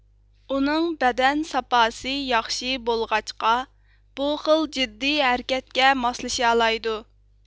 ئۇنىڭ بەدەن ساپاسى ياخشى بولغاچقا بۇ خىل جىددىي ھەرىكەتكە ماسلىشالايدۇ